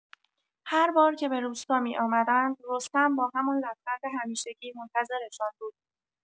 هر بار که به روستا می‌آمدند، رستم با همان لبخند همیشگی منتظرشان بود.